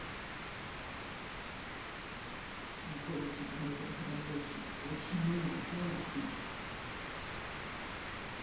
сволочи твои разработчики очень много платных